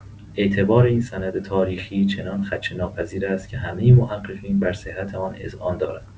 اعتبار این سند تاریخی چنان خدشه‌ناپذیر است که همه محققین بر صحت آن اذعان دارند.